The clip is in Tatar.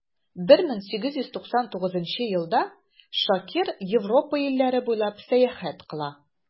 1899 елда шакир европа илләре буйлап сәяхәт кыла.